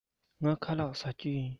ངས ཁ ལག བཟས མེད